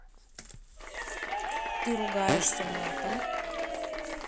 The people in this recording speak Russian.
ты ругаешься матом